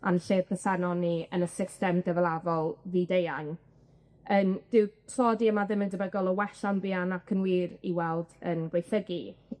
a'n lle presennol ni yn y system gyfalafol fyd-eang, yym dyw tlodi yma ddim yn debygol o wella'n fuan ac yn wir i weld yn gwaethygu.